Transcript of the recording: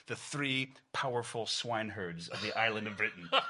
The three powerful swineherds of the island of Britain.